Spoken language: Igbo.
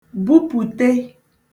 bupùte